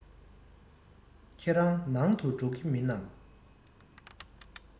ཁྱོད ནང དུ འགྲོ གི མིན ནམ